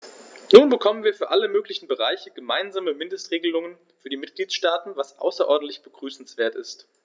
Nun bekommen wir für alle möglichen Bereiche gemeinsame Mindestregelungen für die Mitgliedstaaten, was außerordentlich begrüßenswert ist.